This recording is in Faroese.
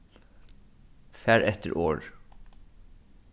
far eftir orð